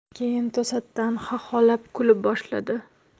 keyin to'satdan xaxolab kula boshladi